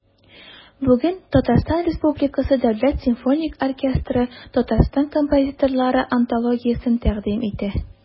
Бүген ТР Дәүләт симфоник оркестры Татарстан композиторлары антологиясен тәкъдим итә.